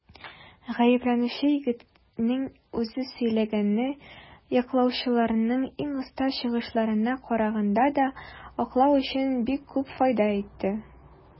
Гаепләнүче егетнең үзе сөйләгәне яклаучыларның иң оста чыгышларына караганда да аны аклау өчен бик күп файда итте.